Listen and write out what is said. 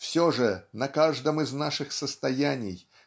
все же на каждом из наших состояний